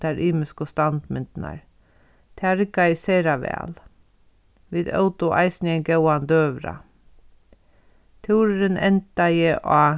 tær ymisku standmyndirnar tað riggaði sera væl vit ótu eisini ein góðan døgurða túrurin endaði á